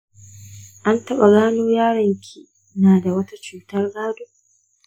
an taɓa gano cewa yaron ki na da wata cutar gado?